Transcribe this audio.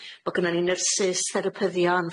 Bo' gynnon ni nyrsy,s therapyddion,